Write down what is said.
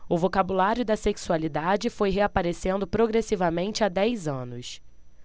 o vocabulário da sexualidade foi reaparecendo progressivamente há dez anos